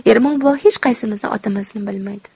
ermon buva hech qaysimizni otimizni bilmaydi